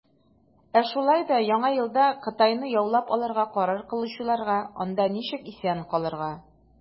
Ә шулай да Яңа елда Кытайны яулап алырга карар кылучыларга, - анда ничек исән калырга.